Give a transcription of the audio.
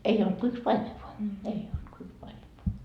ei ollut kuin yksi paimen vain ei ollut kuin yksi paimen vain